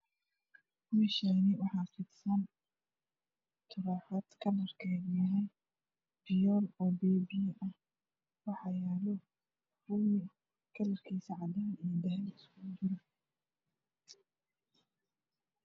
Meeshaani waxaa turaxad kalarkeedu yahay viyool oo biyo biyo ah kalarkisa cadaan iyo dahabi iskgu jiro